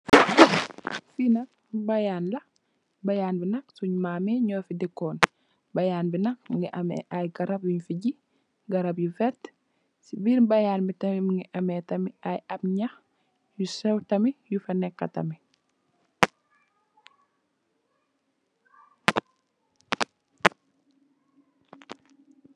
Final bayanla bayanbi nak suñ mam ñofi dekon bayanbi nak mungi ameh ayy garab yuñ fi ji garab yu vertt si birr bayan bi nak mungi ameh tamit ayy ab ñax yu sew tamit yu fa neka tamit.